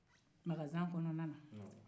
magazan kɔnɔna na